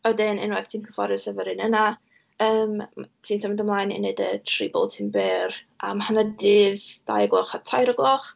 A wedyn unwaith ti'n cyfforddus efo'r un yna, yym, ti'n symud ymlaen i wneud y tri bwletin byr am hanner dydd, dau o'r gloch a tair o'r gloch.